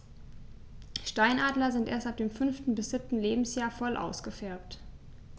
Steinadler sind erst ab dem 5. bis 7. Lebensjahr voll ausgefärbt.